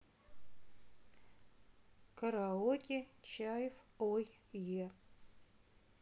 караоке чайф ой е